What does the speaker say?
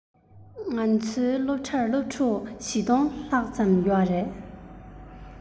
ཝུན ཅུན ཁྱོད རང ཚོའི སློབ གྲྭར སློབ ཕྲུག ག ཚོད ཡོད རེད